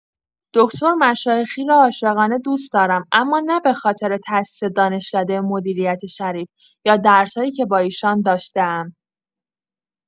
دکتر مشایخی را عاشقانه دوست دارم؛ اما نه به‌خاطر تاسیس دانشکده مدیریت شریف یا درس‌هایی که با ایشان داشته‌ام.